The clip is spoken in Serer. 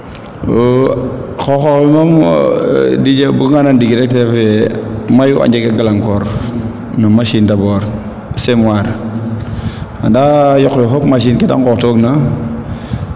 xoxox we moom Didier o buga nga na ndingil rek mayu a jega ngalang koor no machine dabors a semoir anda yoqe fop machine ke de ngoox to gina